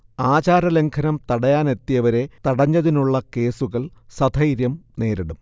ആചാരലംഘനം തടയാനെത്തിയവരെ തടഞ്ഞതിനുള്ള കേസുകൾ സധൈര്യം നേരിടും